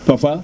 Pafa